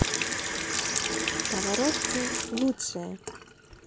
pavarotti лучшее